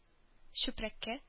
Чүпрәккә